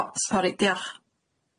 O sori dioch.